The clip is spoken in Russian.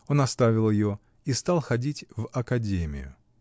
Он оставил ее и стал ходить в академию.